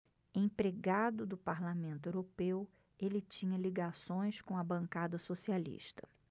empregado do parlamento europeu ele tinha ligações com a bancada socialista